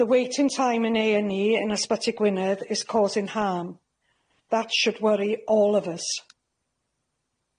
The waiting time in A&E in Ysbyty Gwynedd is causing harm. That should worry all of us.